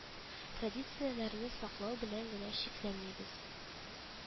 Традицияләрне саклау белән генә чикләнмибез